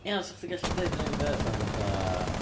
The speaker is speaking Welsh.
Ie, ond 'sa chdi'n gallu deud yr un peth am fatha...